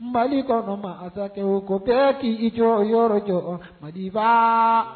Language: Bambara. Mali kɔnɔ ma asa o ko kɛ k'i jɔyɔrɔ jɔ mali fa